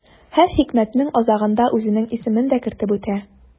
Һәр хикмәтнең азагында үзенең исемен дә кертеп үтә.